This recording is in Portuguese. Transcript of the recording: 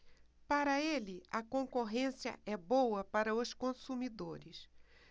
para ele a concorrência é boa para os consumidores